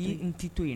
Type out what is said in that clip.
I n t tɛ to yen